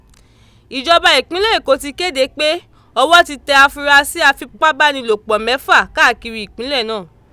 Ìjọba ìpínlẹ̀ Èkó ti kéde pé ọwọ́ ti tẹ afurasí afipábánilòpọ̀ mẹ́fa káàkiri ìpínlẹ̀ náà.